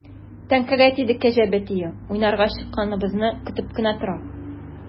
Теңкәгә тиде кәҗә бәтие, уйнарга чыкканыбызны көтеп кенә тора.